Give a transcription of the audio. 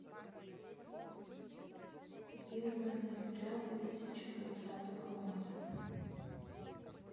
первое ноября две тысячи двадцатого года